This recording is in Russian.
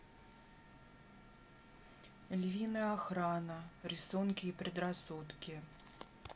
львиная охрана рисунки и предрассудки